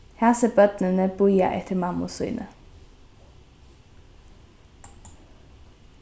hasi børnini bíða eftir mammu síni